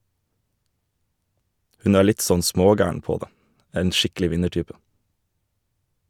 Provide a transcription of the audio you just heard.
Hun er litt sånn smågæren på det , en skikkelig vinnertype.